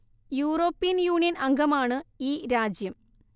European Union അംഗമാണ് ഈ രാജ്യം